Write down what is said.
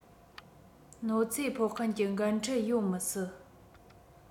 གནོད འཚེ ཕོག མཁན གྱི འགན འཁྲི ཡོད མི སྲིད